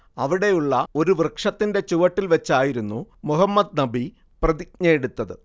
അവിടെയുള്ള ഒരു വൃക്ഷത്തിന്റെ ചുവട്ടിൽ വെച്ചായിരുന്നു മുഹമ്മദ് നബി പ്രതിജ്ഞയെടുത്തത്